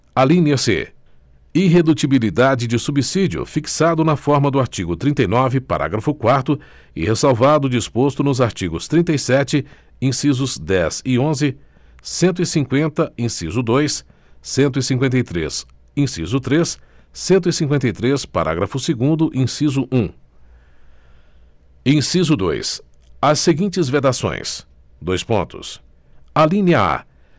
alínea c irredutibilidade de subsídio fixado na forma do artigo trinta e nove parágrafo quarto e ressalvado o disposto nos artigos trinta e sete incisos dez e onze cento e cinquenta inciso dois cento e cinquenta e três inciso três cento e cinquenta e três parágrafo segundo inciso um inciso dois as seguintes vedações dois pontos alínea a